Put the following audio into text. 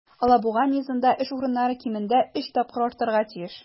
"алабуга" мизында эш урыннары кимендә өч тапкырга артарга тиеш.